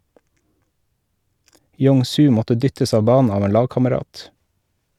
Yong-su måtte dyttes av banen av en lagkamerat.